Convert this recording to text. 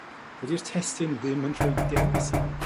Dydi'r testun ddim yn rhoi dewis iddi.